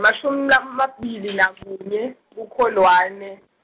mashumi lamabili nakunye kuKholwane.